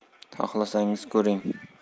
xohlasangiz ko'ring